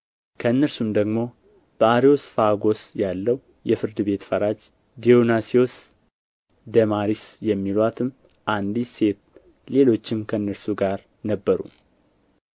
ከእነርሱ ደግሞ በአርዮስፋጎስ ያለው የፍርድ ቤት ፈራጅ ዲዮናስዮስ ደማሪስ የሚሉአትም አንዲት ሴት ሌሎችም ከእነርሱ ጋር ነበሩ